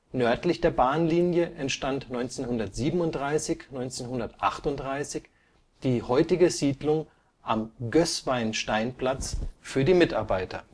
Nördlich der Bahnlinie entstand 1937 / 38 die heutige Siedlung am Gößweinsteinplatz für die Mitarbeiter